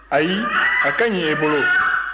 ayi a ka ɲi e bolo